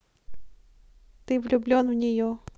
ты влюблен в нее